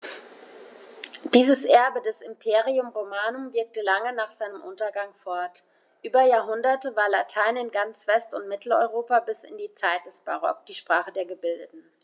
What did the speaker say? Dieses Erbe des Imperium Romanum wirkte lange nach seinem Untergang fort: Über Jahrhunderte war Latein in ganz West- und Mitteleuropa bis in die Zeit des Barock die Sprache der Gebildeten.